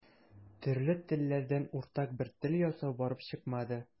Төрле телләрдән уртак бер тел ясау барып чыкмады.